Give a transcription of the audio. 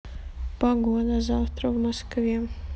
погода завтра в москве